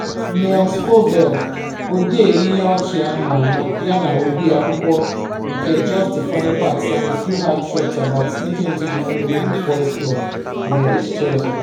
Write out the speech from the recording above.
Nell Scovell, ọdee ihe ọchị ama ama yana ọdee akwụkwọ nke “Just the Funny Parts: And a Few Hard Truths About Sneaking Into the Hollywood Boys" Club," nwere echiche ọzọ.